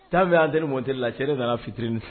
Cɛ an bɛ antenne monter la, cɛ de nana fitiri ni